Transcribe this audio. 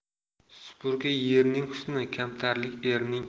supurgi yerning husni kamtarlik erning